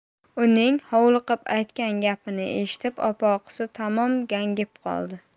uning hovliqib aytgan gapini eshitib opoqisi tamom gangib qoldi